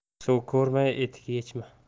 suv ko'rmay etik yechma